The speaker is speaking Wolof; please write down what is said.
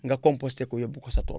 nga composté ko yóbbu ko sa tool